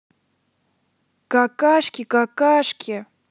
какашки какашки